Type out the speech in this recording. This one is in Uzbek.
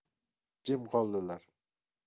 jim qoldilar